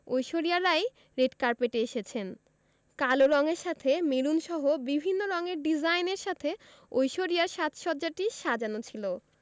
Aishwarya Rai red কার্পেটে এসেছেন কালো রঙের সাথে মেরুনসহ বিভিন্ন রঙের ডিজাইনের সাথে ঐশ্বরিয়ার সাজ সজ্জাটি সাজানো ছিল